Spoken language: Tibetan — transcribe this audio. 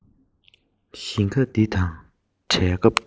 ཞིང ཁ འདི དང བྲལ སྐབས